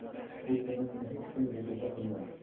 bu kuni uni hech kim bezovta qilmasdi